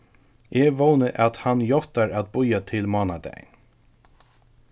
eg vóni at hann játtar at bíða til mánadagin